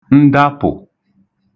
ndapụ̀